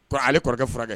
Ko ale kɔrɔkɛ furakɛ.